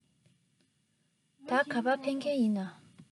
ད ག པར ཕེབས མཁན ཡིན ན